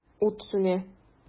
Ут сүнә.